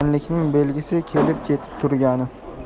yaqinlikning belgisi kelib ketib turgani